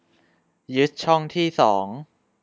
ยึดช่องที่สอง